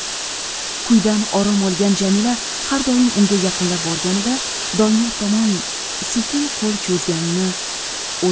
kuydan orom olgan jamila har doim unga yaqinlab borganida doniyor tomon sekin qo'l cho'zganini o'zi ham